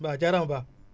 Ba jaaraama Ba